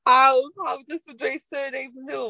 A oedd pawb jyst yn dweud surnames nhw.